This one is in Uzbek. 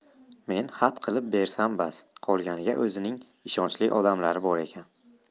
men xat qilib bersam bas qolganiga o'zining ishonchli odamlari bor ekan